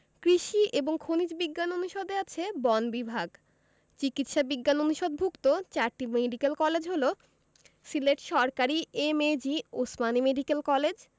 কৃষি এবং খনিজ বিজ্ঞান অনুষদে আছে বন বিভাগ চিকিৎসা বিজ্ঞান অনুষদভুক্ত চারটি মেডিকেল কলেজ হলো সিলেট সরকারি এমএজি ওসমানী মেডিকেল কলেজ